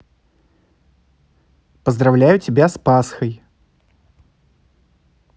поздравляю тебя с пасхой